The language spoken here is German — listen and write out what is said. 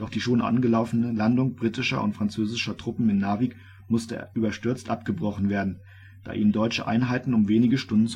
die schon angelaufene Landung britischer und französischer Truppen in Narvik musste überstürzt abgebrochen werden, da ihnen deutsche Einheiten um wenige Stunden zuvorgekommen